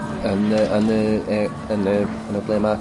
yn y yn y e- yn yr yn y ble 'ma